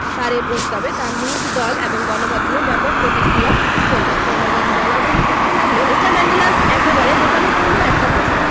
তাঁর এ প্রস্তাবে তাঁর নিজ দল এবং গণমাধ্যমে ব্যাপক প্রতিক্রিয়া হলো জনগণ বলাবলি করতে লাগল এটা ম্যান্ডেলার একেবারে বোকামিপূর্ণ একটা প্রস্তাব